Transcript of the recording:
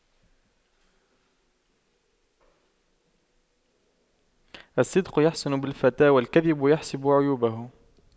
الصدق يحسن بالفتى والكذب يحسب من عيوبه